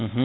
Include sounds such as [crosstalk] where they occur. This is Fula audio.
[hesitation] [hesitation]